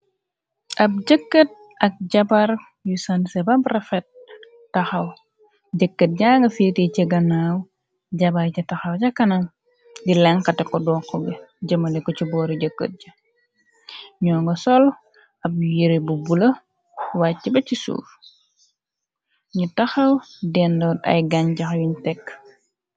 Ab jëkkat ak jabaar yu sansebabrafet taxaw jëkkat jaanga fiiti ci ganaaw jabaay ci taxaw ca kanam. Di lenqate ko doŋq bi jëmale ko ci boori jëkkat ji. Nyoo nga sol ab yire bu bula wàcc ba ci suuf. Nyu taxaw dendoot ay gañ jax yuñ tekk.